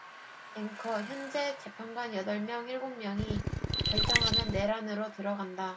앵커 헌재 재판관 여덟 명 일곱 명이 결정하면 내란으로 들어간다